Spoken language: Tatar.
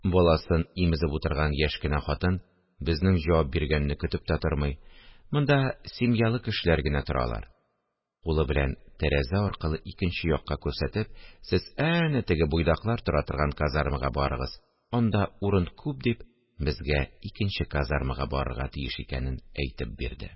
Баласын имезеп утырган яшь кенә хатын, безнең җавап биргәнне көтеп тә тормый: – Монда семьялы кешеләр генә торалар (кулы белән тәрәзә аркылы икенче якка күрсәтеп), сез әнә теге буйдаклар тора торган казармага барыгыз, анда урын күп, – дип, безгә икенче казармага барырга тиеш икәнен әйтеп бирде